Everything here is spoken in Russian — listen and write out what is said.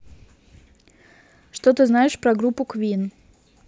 что ты знаешь про группу квин